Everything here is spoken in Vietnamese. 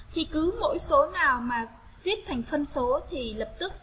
thì cứ mỗi số nào mà viết thành phân số thì lập tức